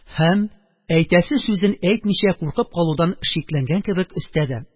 Әм әйтәсе сүзен әйтмичә куркып калудан шикләнгән кебек өстәде